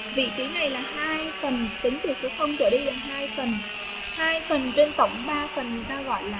vị trí này là hai phần tính tần số không đổi là phần phần trên tổng phần người ta gọi là